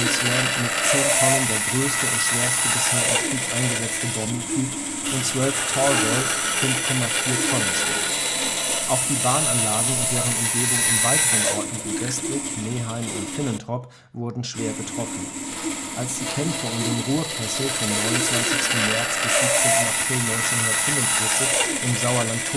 Slam, mit 10 Tonnen der größte und schwerste bisher im Krieg eingesetzte Bombentyp, und zwölf Tallboy, 5,4 Tonnen schwer. Auch die Bahnanlagen und deren Umgebung in weiteren Orten wie Bestwig, Neheim und Finnentrop wurden schwer getroffen. Als die Kämpfe um den Ruhrkessel vom 29. März bis 17. April 1945 im Sauerland